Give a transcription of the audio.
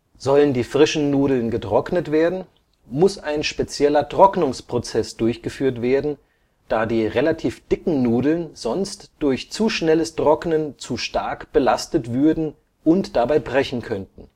Sollen die frischen Nudeln getrocknet werden, muss ein spezieller Trocknungsprozess durchgeführt werden, da die relativ dicken Nudeln sonst durch zu schnelles Trocknen zu stark belastet würden und dabei brechen könnten